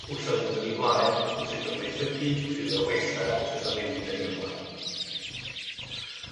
wrth 'o fynd yn 'i flaen, wrth iddo waethygu, wrth iddo fo wella, wrth iddo newid ag yn y blaen.